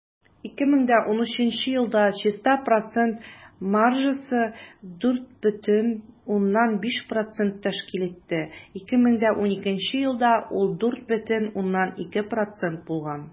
2013 елда чиста процент маржасы 4,5 % тәшкил итте, 2012 елда ул 4,2 % булган.